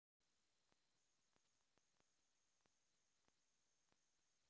фильмы фантастика боевик